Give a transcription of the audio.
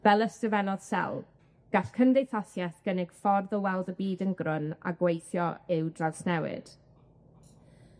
Fel ysgrifennodd Sel, gall cymdeithasieth gynnig ffordd o weld y byd yn grwn a gweithio i'w drawsnewid.